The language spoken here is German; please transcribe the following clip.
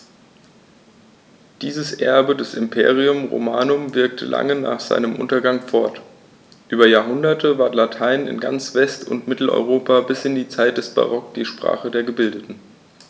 Dieses Erbe des Imperium Romanum wirkte lange nach seinem Untergang fort: Über Jahrhunderte war Latein in ganz West- und Mitteleuropa bis in die Zeit des Barock die Sprache der Gebildeten.